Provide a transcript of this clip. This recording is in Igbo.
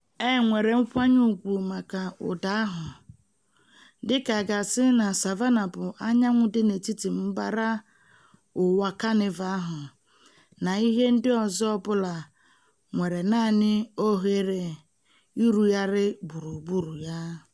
E nwere nkwanye ugwu maka ụda ahụ: dịka a ga-asị na Savannah bụ anyanwụ dị n'etiti mbara ụwa Kanịva ahụ na ihe ndị ọzọ ọ bụla nwere naanị ohere irugharị gburugburu ya.